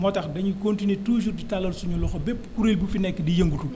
moo tax dañuy continué toujours di tallal suñuy loxo bépp kuréel bu fi nekk di yëngatu